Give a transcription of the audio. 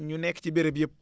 ñu nekk ci béréb yëpp